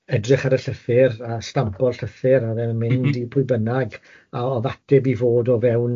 ...edrych ar y llythyr a stampo'r llythyr a... M-hm. ...oedd e'n mynd i pwy bynnag a oedd ateb i fod o fewn